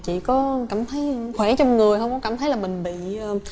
chị có cảm thấy khỏe trong người không có cảm thấy là mình bị